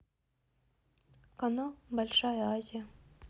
канал большая азия